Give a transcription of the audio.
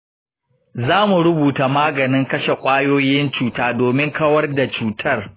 za mu rubuta maganin kashe ƙwayoyin cuta domin kawar da cutar.